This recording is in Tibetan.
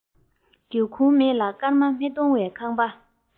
སྒེའུ ཁུང མེད ལ སྐར མ མི མཐོང བའི ཁང པ